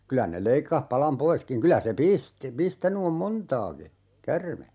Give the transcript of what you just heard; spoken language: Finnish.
kyllä ne leikkasi palan poiskin kyllä se pisti pistänyt on montaakin käärme